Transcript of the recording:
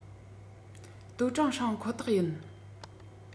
ཏུའུ ཀྲེང ཧྲེང ཁོ ཐག ཡིན